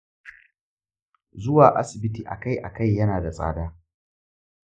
zuwa asibiti akai-akai yana da tsada.